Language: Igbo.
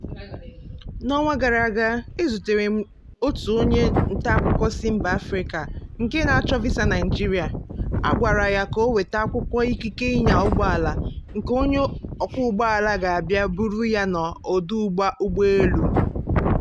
N'ọnwa gara aga, e zutere m otu onye ntaakụkọ si mba Afrịka nke na-achọ visa Naịjirịa. A gwara ya ka o weta akwụkwọ ikike ịnya ụgbọala nke onye ọkwọụgbọala ga-abịa bụrụ ya n'ọdụ ụgbọelu!